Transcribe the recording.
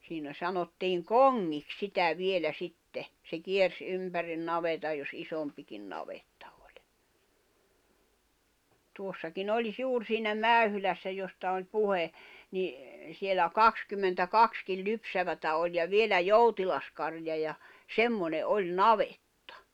siinä sanottiin kongiksi sitä vielä sitten se kiersi ympäri navetan jos isompikin navetta oli tuossakin oli juuri siinä Mäyhylässä josta oli puhe niin siellä kaksikymmentäkaksi lypsävää oli ja vielä joutilas karja ja semmoinen oli navetta